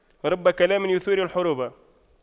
رب كلام يثير الحروب